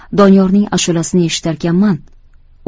doniyorning ashulasini eshitarkanman